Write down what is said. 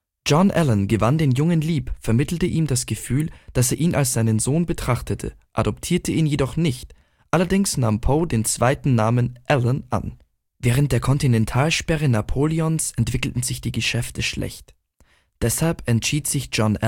John Allan gewann den Jungen lieb, vermittelte ihm das Gefühl, dass er ihn als seinen Sohn betrachte, adoptierte ihn jedoch nicht; allerdings nahm Poe den Zweitnamen Allan an. Während der Kontinentalsperre Napoleons entwickelten sich die Geschäfte schlecht. Deshalb entschied sich John